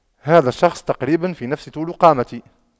هذا الشخص تقريبا في نفس طول قامتي